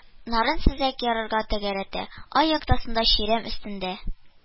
Нарын сөзәк ярга тәгәрәтә, ай яктысында чирәм өстендә